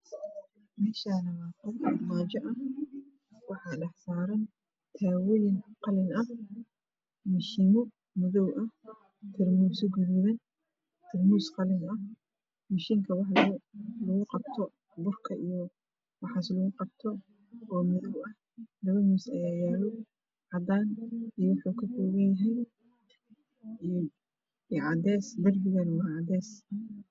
Meshan waa qol armaajo ah waxa saran taboyin qalin ah mashino madow ah tarmuuso gududan darmus qalin ah mashinka lagu qabto burka o madow ah labo miis yaalo woxo kakoban yahy cadan iyo cades darbiga waa cades